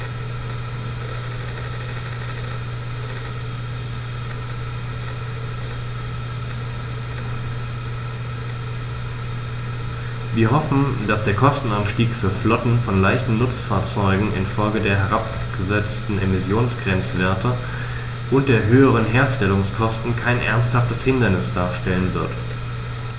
Wir hoffen, dass der Kostenanstieg für Flotten von leichten Nutzfahrzeugen in Folge der herabgesetzten Emissionsgrenzwerte und der höheren Herstellungskosten kein ernsthaftes Hindernis darstellen wird.